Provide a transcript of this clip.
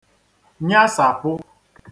nyasàpụ